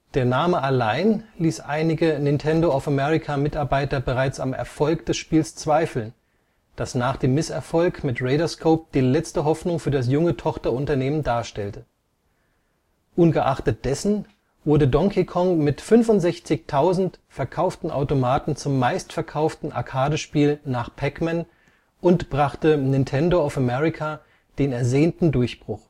Der Name allein ließ einige NoA-Mitarbeiter bereits am Erfolg des Spiels zweifeln, das nach dem Misserfolg mit Radarscope die letzte Hoffnung für das junge Tochterunternehmen darstellte. Ungeachtet dessen wurde Donkey Kong mit 65000 verkauften Automaten zum meistverkauften Arcade-Spiel nach Pac-Man und brachte NoA den ersehnten Durchbruch